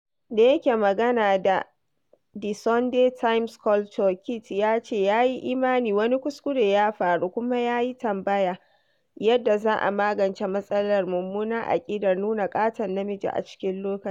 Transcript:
Da yake magana da The Sunday Times Culture, Kit ya ce ya yi imani 'wani kuskure ya faru' kuma ya yi tambaya yadda za a magance matsalar mummunan aƙidar nuna ƙaton namiji a cikin lokacin #MeToo.